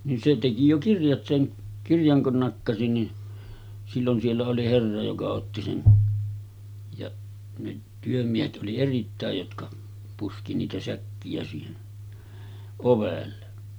niin se teki jo kirjat sen kirjan kun nakkasi niin silloin siellä oli herra joka otti sen ja ne työmiehet oli erittäin jotka puski niitä säkkiä siihen ovelle